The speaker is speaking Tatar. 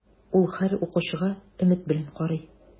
Ул һәр укучыга өмет белән карый.